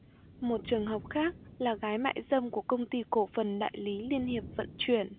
một trường hợp khác là gái mại dâm của công ty cổ phần đại lý liên hiệp vận chuyển